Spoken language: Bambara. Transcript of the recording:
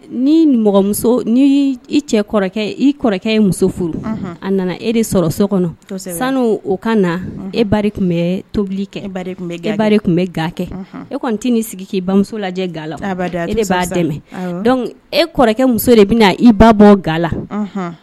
Ni i cɛ kɔrɔkɛ i kɔrɔkɛ ye muso furu a nana e de sɔrɔ so kɔnɔ sanu o kana na e ba tun bɛ tobili kɛ e ba tun bɛ ga kɛ e kɔni t tɛ'i sigi k'i bamuso lajɛ ga e de b'a dɛmɛ e kɔrɔkɛ muso de bɛna i ba bɔ ga